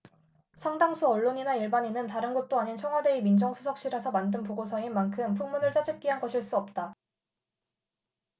상당수 언론이나 일반인은다른 곳도 아닌 청와대의 민정수석실에서 만든 보고서인 만큼 풍문을 짜깁기한 것일 수 없다